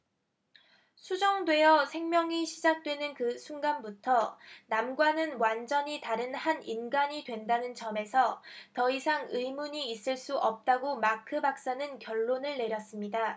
수정되어 생명이 시작되는 그 순간부터 남과는 완전히 다른 한 인간이 된다는 점에는 더 이상 의문이 있을 수 없다고 마크 박사는 결론을 내렸습니다